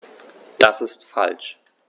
Das ist falsch.